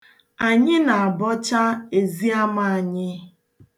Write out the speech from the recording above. Anyị na-abọcha eziama anyị.